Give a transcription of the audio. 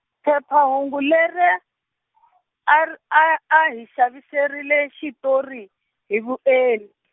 phephahungu leri, a r-, a a hi xaviserile xitori, hi vuent-.